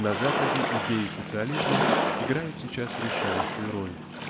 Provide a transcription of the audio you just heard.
на Западе идеи социализма играют сейчас решающую роль.